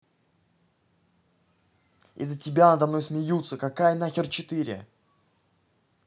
из за тебя надо мной смеются какая нахер четыре